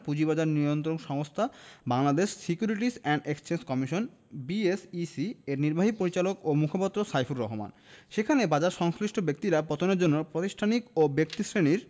পুঁজিবাজার নিয়ন্ত্রক সংস্থা Bangladesh securities and exchange commission BSEC এর নির্বাহী পরিচালক ও মুখপাত্র সাইফুর রহমান সেখানে বাজারসংশ্লিষ্ট ব্যক্তিরা পতনের জন্য প্রাতিষ্ঠানিক ও ব্যক্তিশ্রেণির